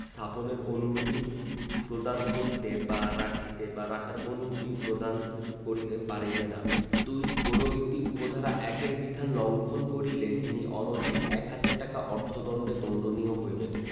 স্থাপনের অনুমতি প্রদান করিতে বা রাখিতে বা রাখিবার অনুমতি প্রদান করিতে পারিবে না ২ কোন ব্যক্তি উপ ধারা ১ এর বিধান লংঘন করিলে তিনি অনধিক এক হাজার টাকা অর্থ দন্ডে দন্ডনীয় হইবেন